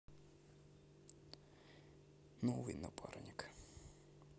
новый напарник